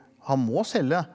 han må selge.